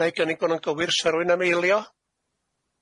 Wna i gynnig bod yn gywir, sa rw'un am eilio?